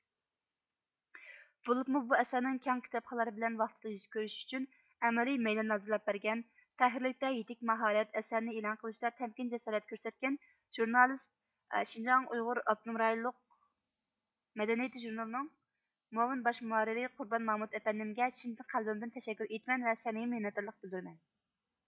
بولۇپمۇ بۇ ئەسەرنىڭ كەپ كىتابخانلار بىلەن ۋاقتىدا يۇز كۆرۈشۈشى ئۈچۈن ئەمەلىي مەيدان ھازىرلاپ بەرگەن تەھرىرلىكتە يېتىك ماھارەت ئەسەرنى ئېلان قىلىشتا تەمكىن جاسارەت كۆرسەتكەن ژورنالىست شې ئۇ ئا رې مەدەنىيىتى ژۇرنىلىنىڭ مۇئاۋىن باش مۇھەررىرى قۈربان مامۇت ئەپەندىمگە چىن قەلبىمدىن تەشەككۇر ئېيتىمەن ۋە سەمىمىي مىننەتدارلىق بىلدۇرىمەن